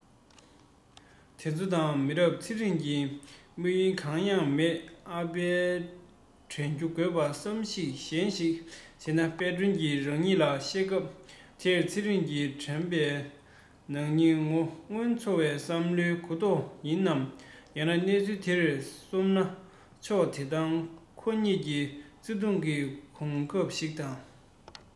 དེ ཁོ དང མི རབས ཚེ རིང གི དམིགས ཡུལ གང ཡང མེད ཨ ཕའི དྲན རྒྱུ དགོས པ བསམ གཞིག གཞན ཞིག བྱས ན དཔལ སྒྲོན གྱི རང ཉིད ལ བཤད སྐབས དེར ཚེ རིང གི དྲན པའི ནང ཉིན མོ སྔོན འཚོ བའི བསམ བློའི གུ དོག ཡིན ནམ ཡང ན གནས ཚུལ དེར སོམ ན ཕྱོགས དེ ཡང ཁོ གཉིས ཀྱི བརྩེ དུང གི ཚོད གམ ཞིག ཡིན